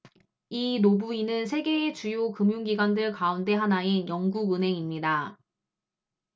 이 노부인은 세계의 주요 금융 기관들 가운데 하나인 영국은행입니다